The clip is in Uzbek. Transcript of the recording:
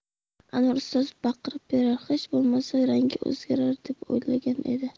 anvar ustoz baqirib berar hech bo'lmasa rangi o'zgarar deb o'ylagan edi